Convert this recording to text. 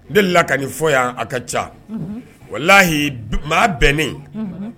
N de la ka nin fɔ yan a ka ca o lahi maa bɛnnen